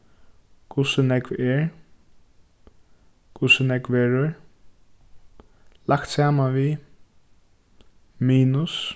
hvussu nógv er hvussu nógv verður lagt saman við minus